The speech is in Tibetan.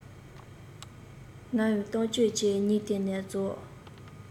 ངའི གཏམ རྒྱུད ཀྱང ཉིན དེ ནས རྫོགས